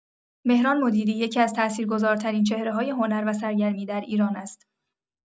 مهران مدیری یکی‌از تاثیرگذارترین چهره‌های هنر و سرگرمی در ایران است.